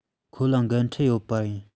ཁོ ལ འགན འཁྲི ཡོད པ ཡིན